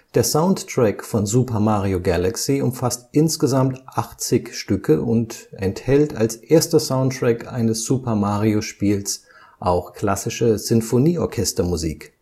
Der Soundtrack von Super Mario Galaxy umfasst insgesamt 80 Stücke und enthält – als erster Soundtrack eines Super-Mario-Spiels – auch klassische Sinfonieorchester-Musik